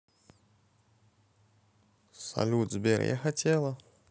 салют сбер я хотела